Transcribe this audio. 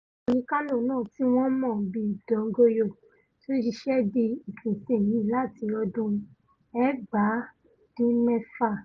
Fòlìkánò náà tí wọ́n mọ̀ bíi ''Don Goyo'' ti ń ṣiṣé di ìsinsìnyí láti ọdún 1994.